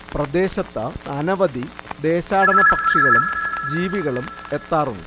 പ്രദേശത്ത് അനവധി ദേശാടന പക്ഷികളും ജീവികളും എത്താറുണ്ട്